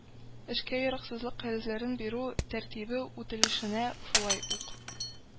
Эшкә яраксызлык кәгазьләрен бирү тәртибе үтәлешенә, шулай ук